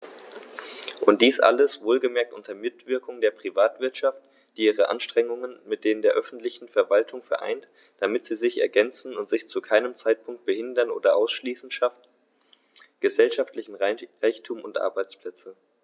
Und dies alles - wohlgemerkt unter Mitwirkung der Privatwirtschaft, die ihre Anstrengungen mit denen der öffentlichen Verwaltungen vereint, damit sie sich ergänzen und sich zu keinem Zeitpunkt behindern oder ausschließen schafft gesellschaftlichen Reichtum und Arbeitsplätze.